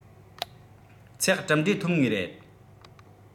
ཚེག གྲུབ འབྲས ཐོབ ངེས རེད